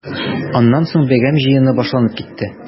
Аннан соң бәйрәм җыены башланып китте.